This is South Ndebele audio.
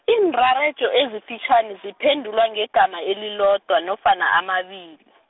iinrarejo ezifitjhani ziphendulwa ngegama elilodwa nofana amabili.